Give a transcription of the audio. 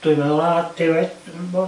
dwi meddwl na defaid dwm bod